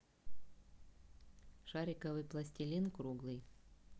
шариковый пластилин круглый